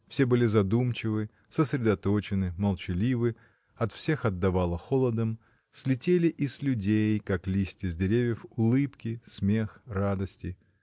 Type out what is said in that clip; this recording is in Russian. Все были задумчивы, сосредоточенны, молчаливы, от всех отдавало холодом, слетели и с людей, как листья с деревьев, улыбки, смех, радости.